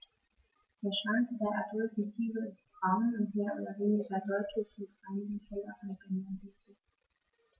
Der Schwanz der adulten Tiere ist braun und mehr oder weniger deutlich mit einigen helleren Bändern durchsetzt.